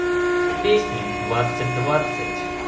песни двадцать двадцать